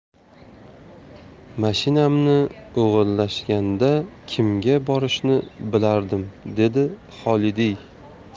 mashinamni o'g'irlashganda kimga borishni bilardim dedi xolidiy